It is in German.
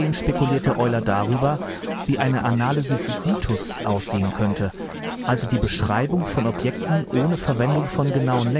spekulierte Euler darüber, wie eine „ Analysis situs “aussehen könnte, also die Beschreibung von Objekten ohne Verwendung von genauen